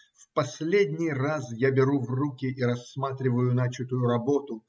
В последний раз я беру в руки и рассматриваю начатую работу.